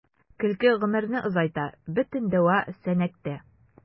Көлке гомерне озайта — бөтен дәва “Сәнәк”тә.